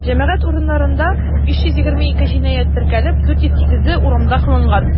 Җәмәгать урыннарында 522 җинаять теркәлеп, 428-е урамда кылынган.